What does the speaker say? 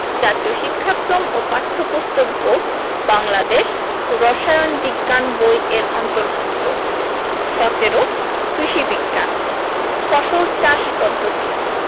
জাতীয় শিক্ষাক্রম ও পাঠ্যপুস্তক বোর্ড বাংলাদেশ রসায়ন বিজ্ঞান বই এর অন্তর্ভুক্ত ১৭ কৃষি বিজ্ঞান ফসল চাষ পদ্ধতি